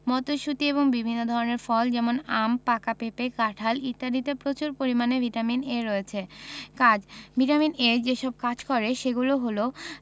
মটরশুঁটি এবং বিভিন্ন ধরনের ফল যেমন আম পাকা পেঁপে কাঁঠাল ইত্যাদিতে প্রচুর পরিমানে ভিটামিন A রয়েছে কাজ ভিটামিন A যেসব কাজ করে সেগুলো হলো